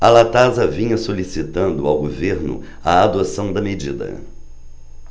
a latasa vinha solicitando ao governo a adoção da medida